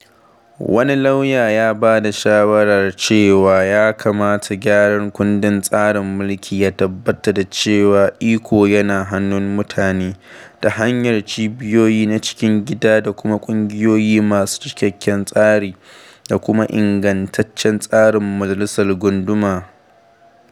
Wani lauya ya ba da shawarar cewa ya kamata gyaran kundin tsarin mulki ya tabbatar da cewa iko yana hannun mutane, ta hanyar cibiyoyi na cikin gida da ƙungiyoyii masu cikakken tsari, da kuma ingantaccen tsarin majalisar gunduma.